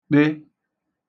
kpe